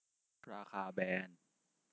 ราคาแบรนด์